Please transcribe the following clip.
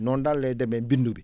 noonu daal lay demee bindu bi